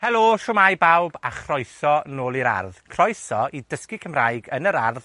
Helo, shwmae bawb, a chroeso nôl i'r ardd. Croeso i dysgu Cymraeg yn yr ardd